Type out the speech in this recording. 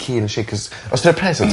...ci nesh i 'c'os os 'di o'n present...